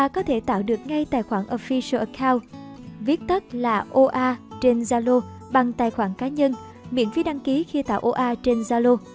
chúng ta có thể tạo được ngay tài khoản official account trên zalo bằng tài khoản cá nhân miễn phí đăng kí khi tạo oa trên zalo